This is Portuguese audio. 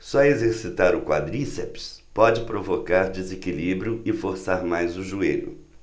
só exercitar o quadríceps pode provocar desequilíbrio e forçar mais o joelho